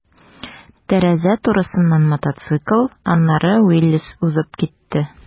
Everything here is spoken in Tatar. Тәрәзә турысыннан мотоцикл, аннары «Виллис» узып китте.